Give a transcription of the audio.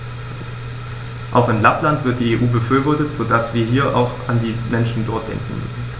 Auch in Lappland wird die EU befürwortet, so dass wir hier auch an die Menschen dort denken müssen.